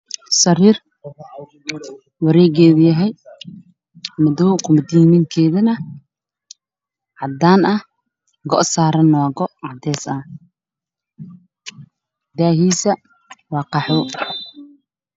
Sariir ah oo ay saaran yihiin caddeyse kala geediina waa qaxoo xanaa ka dambeeya y madoobe